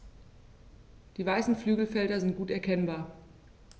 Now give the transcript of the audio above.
Die weißen Flügelfelder sind gut erkennbar.